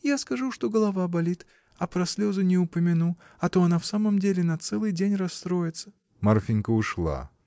— Я скажу, что голова болит, а про слезы не упомяну, а то она в самом деле на целый день расстроится. Марфинька ушла.